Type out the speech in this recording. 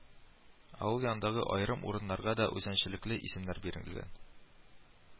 Авыл янындагы аерым урыннарга да үзенчәлекле исемнәр бирелләр